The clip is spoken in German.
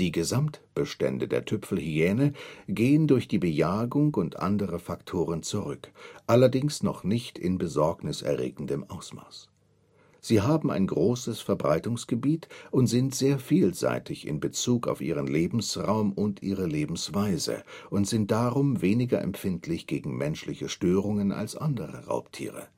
Gesamtbestände der Tüpfelhyäne gehen durch die Bejagung und andere Faktoren zurück, allerdings noch nicht in besorgniserregendem Ausmaß. Sie haben ein großes Verbreitungsgebiet und sind sehr vielseitig in Bezug auf ihren Lebensraum und ihre Lebensweise und sind darum weniger empfindlich gegen menschliche Störungen als andere Raubtiere